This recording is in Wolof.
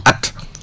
at